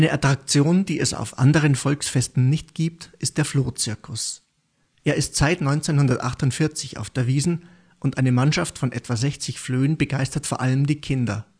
Attraktion, die es auf anderen Volksfesten nicht gibt, ist der Flohzirkus. Er ist seit 1948 auf der Wiesn und eine Mannschaft von etwa 60 Flöhen begeistert vor allem die Kinder